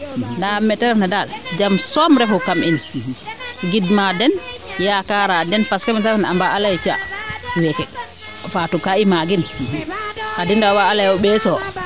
ndaaa meete ref na daal jam soom refu kam in gidmaa den yaakara den parce :gfra que meete ref na a mbaa a leyee ca weeke Fatou kaa i maagin Khady Ndaw a waag a leyee o ɓeeso